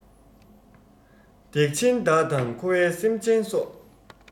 སྡིག ཆེན བདག དང འཁོར བའི སེམས ཅན སོགས